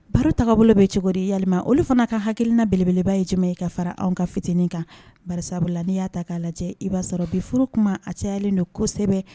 Baro ta bolo bɛ cogodi di ya olu fana ka hakilikilina beleba ye ye ka fara anw ka fitinin kan barasa la n'i y'a ta k'a lajɛ i b'a sɔrɔ bi furu kuma a cayalen don kosɛbɛ